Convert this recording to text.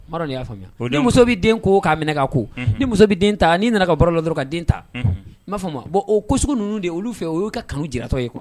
N ma dɔn ni ya faamuya. Ni muso bi den ko. Ka minɛ ka ko. Ni muso bi den ta ni nana ka bɔ baara yɔrɔ la dɔrɔn ka den ta . I ma famu wa ?. Bon olu fɛ o de yi ka kanu yira tɔ ye